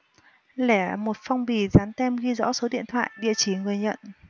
lẻ một phong bì dán tem ghi rõ số điện thoại địa chỉ người nhận